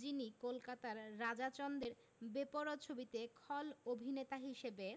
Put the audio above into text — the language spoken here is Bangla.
যিনি কলকাতার রাজা চন্দের বেপরোয়া ছবিতে খল অভিননেতা হিসেবে